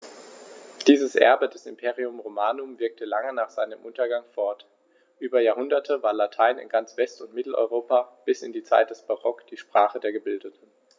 Dieses Erbe des Imperium Romanum wirkte lange nach seinem Untergang fort: Über Jahrhunderte war Latein in ganz West- und Mitteleuropa bis in die Zeit des Barock die Sprache der Gebildeten.